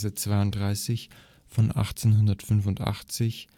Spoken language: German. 32 von 1885